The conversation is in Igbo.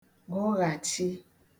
gụghạchi